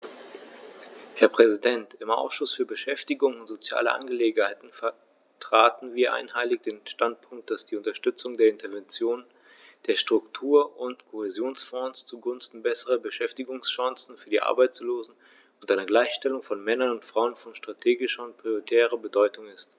Herr Präsident, im Ausschuss für Beschäftigung und soziale Angelegenheiten vertraten wir einhellig den Standpunkt, dass die Unterstützung der Interventionen der Struktur- und Kohäsionsfonds zugunsten besserer Beschäftigungschancen für die Arbeitslosen und einer Gleichstellung von Männern und Frauen von strategischer und prioritärer Bedeutung ist.